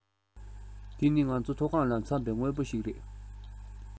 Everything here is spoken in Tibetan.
འདི ནི ང ཚོ འཐོ སྒང ལ འཚམས པས དངོས པོ ཞིག རེད